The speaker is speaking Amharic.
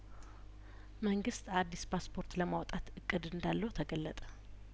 መንግስት አዲስ ፓስፖርት ለማውጣት እቅድ እንደለው ተገለጠ